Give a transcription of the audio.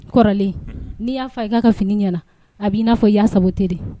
Kɔrɔlen , n'i y'a fa ye k'a ka fini ɲɛna, a bɛ i n'a fɔ i y'a sabute de!